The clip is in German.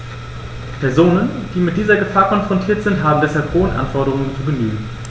Personen, die mit dieser Gefahr konfrontiert sind, haben deshalb hohen Anforderungen zu genügen.